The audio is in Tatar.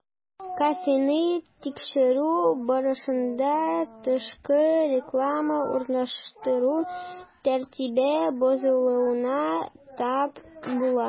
Кафены тикшерү барышында, тышкы реклама урнаштыру тәртибе бозылуына тап була.